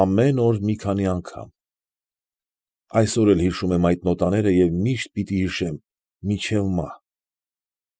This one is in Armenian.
Ամեն օր մի քանի անգամ։ Այսօր էլ հիշում եմ այդ նոտաները և միշտ պիտի հիշեմ, մինչև մահ։